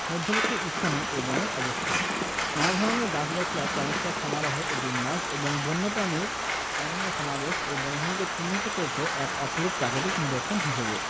মধ্যবর্তী স্থানে এ বনের অবস্থান নানা ধরনের গাছপালার চমৎকার সমারোহ ও বিন্যাস এবং বন্যপ্রাণীর অনন্য সমাবেশ এ বনভূমিকে চিহ্নিত করেছে এক অপরূপ প্রাকৃতিক নিদর্শন হিসেবে